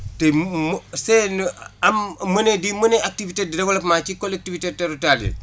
te mu mu seen am mener di mener activité de développement ci collectivité territoriales yi